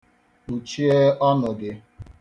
Kpuchie ọnụ gị.